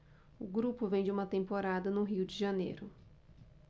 o grupo vem de uma temporada no rio de janeiro